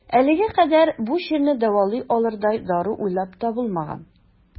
Әлегә кадәр бу чирне дәвалый алырдай дару уйлап табылмаган.